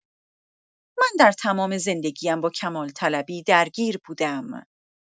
من در تمام زندگی‌ام با کمال‌طلیی درگیر بوده‌ام.